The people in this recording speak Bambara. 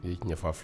I yeɲɛfa filɛ